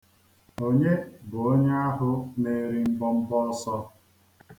Onye bụ onye ahụ na-eri mbọmbọ ọsọ.